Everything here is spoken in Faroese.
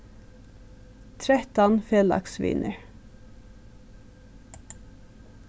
trettan felagsvinir